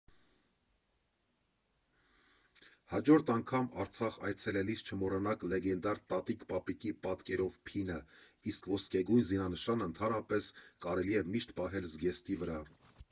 Հաջորդ անգամ Արցախ այցելելիս չմոռանաք լեգենդար Տատիկ֊պապիկի պատկերով փինը, իսկ ոսկեգույն զինանշանն ընդհանրապես կարելի է միշտ պահել զգեստի վրա։